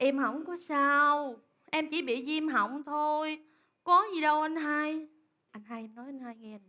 em hổng có sao em chỉ bị viêm họng thôi có gì đâu anh hai anh hai nói anh hai nói nghe